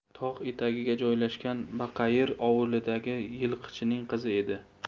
tog' etagiga joylashgan baqayir ovulidagi yilqichining qizi edi